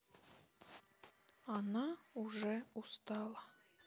она уже устала